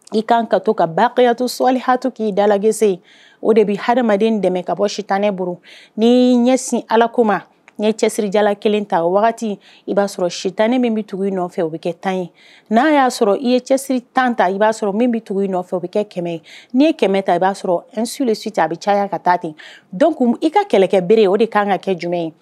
I ka kan ka to ka ba kayato soli hato k'i dala gesese ye o de bɛ ha adamaden dɛmɛ ka bɔ sitanɛ bolo n' ɲɛsin alako ye cɛsirija kelen ta i'a sɔrɔ si tan min bɛ tugu i nɔfɛ o bɛ kɛ tan ye n'a y'a sɔrɔ i ye cɛsiri tan ta i b'a sɔrɔ min bɛ tugu i nɔfɛ bɛ kɛ kɛmɛ n'i ye kɛmɛ ta i b'a sɔrɔ n su de si ta a bɛ caya ka taa ten dɔnku i ka kɛlɛkɛ bereere ye o de ka kan ka kɛ jumɛn ye